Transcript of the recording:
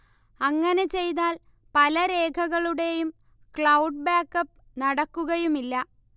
അങ്ങനെ ചെയ്താൽ പല രേഖകളുടെയും ക്ലൗഡ് ബാക്ക്അപ്പ് നടക്കുകയുമില്ല